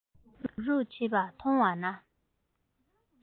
རུབ རུབ བྱེད པ མཐོང བ ན